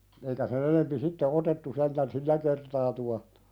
eikä sen enempi sitten otettu sentään sillä kertaa tuohta